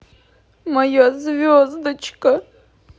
моя звездочка